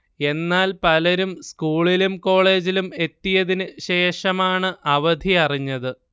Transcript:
എന്നാൽ പലരും സ്കൂളിലും കോളേജിലും എത്തിയതിന് ശേഷമാണ് അവധിയറിഞ്ഞത്